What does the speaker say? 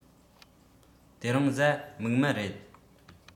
དེ རིང གཟའ མིག དམར རེད